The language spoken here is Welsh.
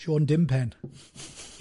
Sean dim Penn.